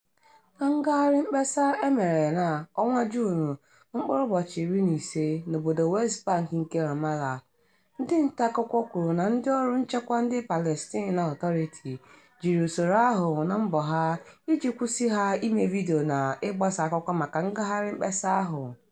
Na ngagharị mkpesa e mere na Juun 15 n'obodo West Bank nke Ramallah, ndị ntaakụkọ kwuru na ndịọrụ nchekwa ndị Palestine Authority jiri usoro ahụ na mbọ ha iji kwụsị ha ime vidiyo na ịgbasa akụkọ maka ngagharị mkpesa ahụ.